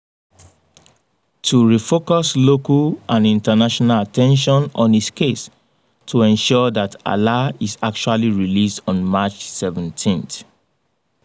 To re-focus local and international attention on his case to ensure that Alaa is actually released on March 17th.